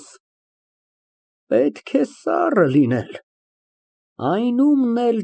Պետք է սառը լինել։